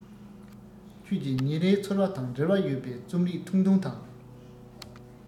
ཁྱོད ཀྱི ཉིན རེའི ཚོར བ དང འབྲེལ བ ཡོད པའི རྩོམ རིག ཐུང ཐུང དང